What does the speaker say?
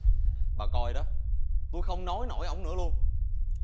bà coi đó tôi không nói nổi ông nữa luôn